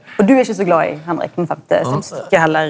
for du er ikkje så glad i Henrik den femte som stykke heller.